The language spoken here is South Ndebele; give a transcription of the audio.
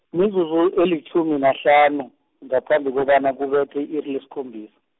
mizuzu elitjhumi nahlanu, ngaphambi kobana kubethe i-iri lesikhombisa.